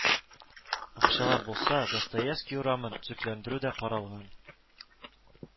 Акчалар булса, Достоевский урамын төзекләндерү дә каралган